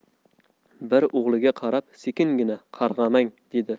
bir o'g'liga qarab sekingina qarg'amang dedi